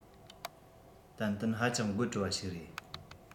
ཏན ཏན ཧ ཅང དགོད སྤྲོ བ ཞིག རེད